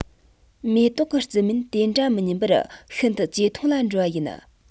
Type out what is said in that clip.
མེ ཏོག གི རྩི རྨེན དེ འདྲ མི ཉམས པར ཤིན ཏུ ཇེ ཐུང ལ འགྲོ བ ཡིན